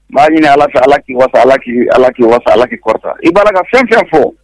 M maaa ɲini ala fɛ alakii ala k'i ala k'i waa ala kkii kɔsa i' ka fɛn fɛn fɔ